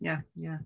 Ie ie.